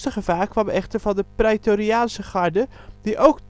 gevaar kwam echter van de praetoriaanse garde, die ook